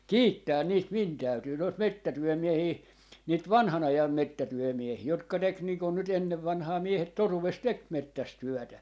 kiittää niitä minun täytyy noita metsätyömiehiä niitä vanhan ajan metsätyömiehiä jotka teki niin kuin nyt ennen vanhaan miehet - teki metsässä työtä